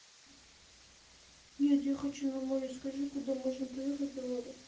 нет я хочу на море скажи куда можно поехать на море